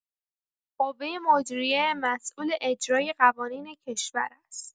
قوه مجریه مسئول اجرای قوانین کشور است.